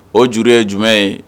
O juru ye jumɛn ye.